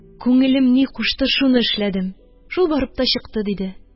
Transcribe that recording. Күңелем ни кушты, шуны эшләдем, шул барып та чыкты, – диде.